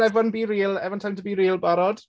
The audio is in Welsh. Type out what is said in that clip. Everyone BeReal, everyone time to BeReal. Barod?